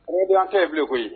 Odiyakɛ ye boloko koyi